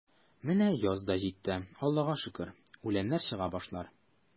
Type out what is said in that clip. Менә яз да житте, Аллага шөкер, үләннәр чыга башлар.